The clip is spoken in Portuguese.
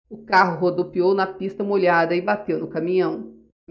o carro rodopiou na pista molhada e bateu no caminhão